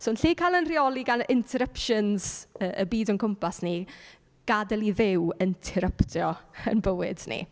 So, yn lle cael ein rheoli gan interruptions y y byd o'n cwmpas ni gadael i Dduw intyryptio ein bywyd ni.